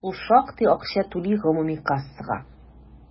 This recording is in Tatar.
Ул шактый акча түли гомуми кассага.